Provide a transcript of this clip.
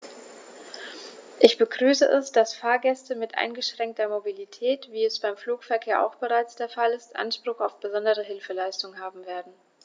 Ich begrüße es, dass Fahrgäste mit eingeschränkter Mobilität, wie es beim Flugverkehr auch bereits der Fall ist, Anspruch auf besondere Hilfeleistung haben werden.